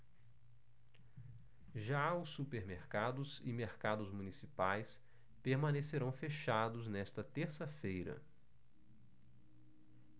já os supermercados e mercados municipais permanecerão fechados nesta terça-feira